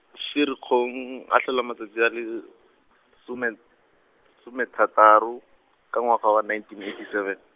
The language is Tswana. Ferikgong a tlhola matsatsi a le some-, somethataro, ka ngwaga wa nineteen eighty seven.